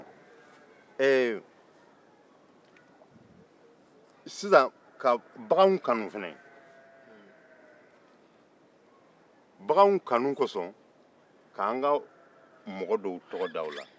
k'an ka mɔgɔ dɔw tɔgɔ da baganw na u kanu kosɔn